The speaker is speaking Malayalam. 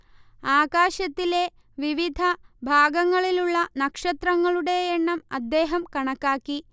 ആകാശത്തിലെ വിവിധ ഭാഗങ്ങളിലുള്ള നക്ഷത്രങ്ങളുടെ എണ്ണം അദ്ദേഹം കണക്കാക്കി